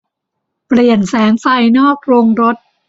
เปลี่ยนแสงไฟนอกโรงรถ